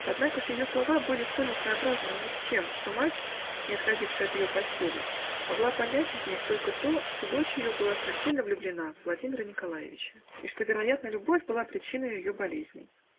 Однако ж ее слова были столь несообразны ни с чем, что мать, не отходившая от ее постели, могла понять из них только то, что дочь ее была смертельно влюблена во Владимира Николаевича и что, вероятно, любовь была причиною ее болезни.